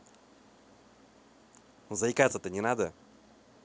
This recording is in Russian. ну заикаться то не надо